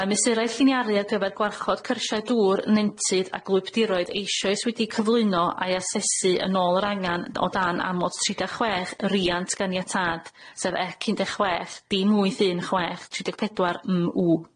Mae mesyrau lliniaru ar gyfer gwarchod cyrshiau dŵr nentydd ag gwlybdiroedd eisoes wedi cyflwyno a'i asesu yn ôl yr angan o dan amod tri deg chwech y riant ganiatâd sef ec un deg chwech dim wyth un chwech tri deg pedwar m w.